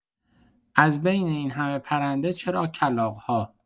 از بین این‌همه پرنده چرا کلاغ‌ها؟!